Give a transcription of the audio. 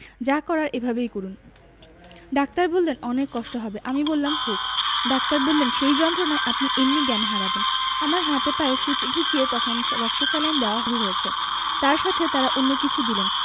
যা করার এভাবেই করুন ডাক্তার বললেন অনেক কষ্ট হবে আমি বললাম হোক ডাক্তার বললেন সেই যন্ত্রণায় আপনি এমনি জ্ঞান হারাবেন আমার হাতে পায়ে সুচ ঢুকিয়ে তখন রক্ত স্যালাইন দেওয়া শুরু হয়েছে তার সাথে তারা অন্য কিছু দিলেন